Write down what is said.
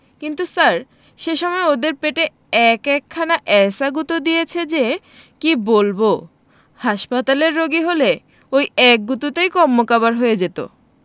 কিন্তু স্যার সে সময় ওদের পেটে এক একখানা এ্যায়সা গুঁতো দিয়েছে যে কি বলব হাসপাতালের রোগী হলে ঐ এক গুঁতোতেই কম্মকাবার হয়ে যেত